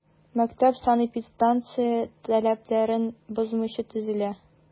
Мәктәп санэпидстанция таләпләрен бозмыйча төзелә.